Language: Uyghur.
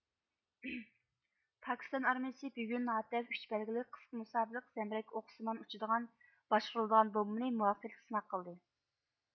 پاكىستان ئارمىيىسى بۈگۈن ھاتەف ئۈچ بەلگىلىك قىسقا مۇساپىلىك زەمبىرەك ئوقىسىمان ئۇچىدىغان باشقۇرۇلىدىغان بومبىنى مۇۋەپپەقىيەتلىك سىناق قىلدى